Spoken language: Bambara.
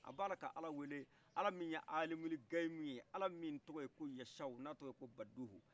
a bala k' ala wele a la mun ye alimul gayimu ye ala min tɔgɔye ko yasau n'a tɔgoye ko baduhu